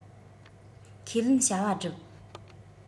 ཁས ལེན བྱ བ བསྒྲུབ